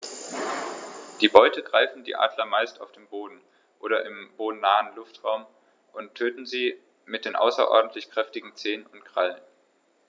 Die Beute greifen die Adler meist auf dem Boden oder im bodennahen Luftraum und töten sie mit den außerordentlich kräftigen Zehen und Krallen.